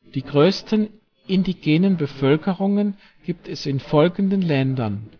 Die größten indigenen Bevölkerungen gibt es in folgenden Ländern